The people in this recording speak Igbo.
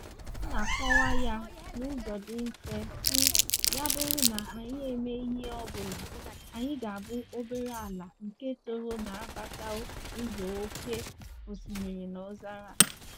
Ọ na-akọwa ya n’ụzọ dị mfe, sị: “Ya bụrụ na anyị emeghị ihe ọbụla, anyị ga-abụ obere ala nke tọrọ n’agbata ụsọ oké osimiri na ọzara.”